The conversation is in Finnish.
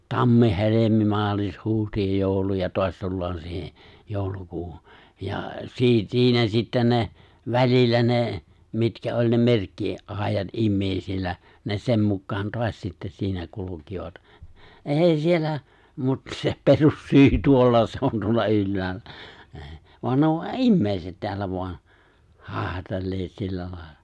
tammi helmi maalis huhti ja joulu ja taas tullaan siihen joulukuuhun ja - siinä sitten ne välillä ne mitkä oli ne - merkkiajat ihmisillä ne sen mukaan taas sitten siinä kulkivat ei siellä mutta se perussyy tuolla se on tuolla ylhäällä ei vaan ne on ihmiset täällä vain haihatelleet sillä lailla ja